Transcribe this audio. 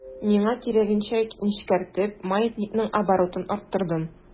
Миңа кирәгенчә нечкәртеп, маятникның оборотын арттырдым.